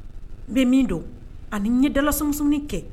N bɛ min don ani ye dalasumunsuni kɛ